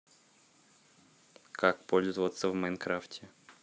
как пользоваться в майнкрафте